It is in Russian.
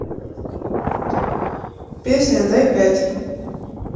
песня дай пять